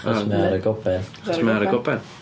Achos mae o ar y goben... Achos mae o ar y goben.